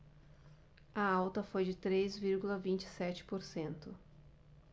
a alta foi de três vírgula vinte e sete por cento